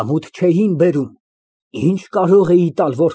ՄԱՐԳԱՐԻՏ ֊ Ի՞նչ կարող է ասել մի հանցավոր, որին ներկայացնում են իր հանցանքի լուսանկարը։